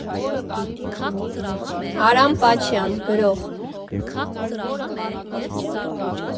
Արամ Պաչյան, գրող։